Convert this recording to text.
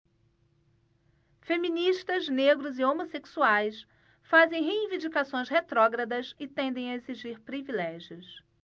feministas negros e homossexuais fazem reivindicações retrógradas e tendem a exigir privilégios